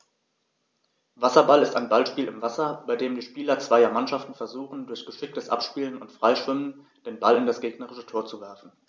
Wasserball ist ein Ballspiel im Wasser, bei dem die Spieler zweier Mannschaften versuchen, durch geschicktes Abspielen und Freischwimmen den Ball in das gegnerische Tor zu werfen.